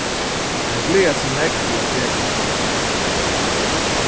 tey gleða seg nógv til at gera hatta